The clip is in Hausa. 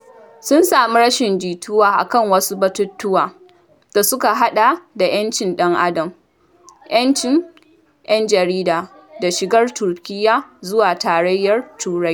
Sun sami rashin jituwa a kan wasu batutuwa da suka haɗa da ‘yancin ɗan Adam, ‘yancin ‘yan jarida da shigar Turkiyyar zuwa Tarayyar Turai.